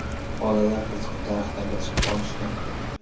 bolalar qiziqib daraxtlarga chiqib olishgan